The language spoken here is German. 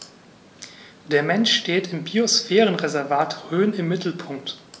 Der Mensch steht im Biosphärenreservat Rhön im Mittelpunkt.